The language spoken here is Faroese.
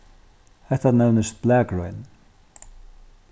hetta nevnist blaðgrein